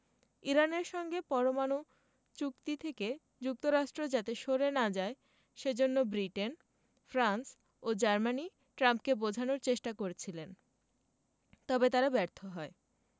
ইরানের সঙ্গে পরমাণু চুক্তি থেকে যুক্তরাষ্ট্র যাতে সরে না যায় সে জন্য ব্রিটেন ফ্রান্স ও জার্মানি ট্রাম্পকে বোঝানোর চেষ্টা করছিলেন তবে তারা ব্যর্থ হয়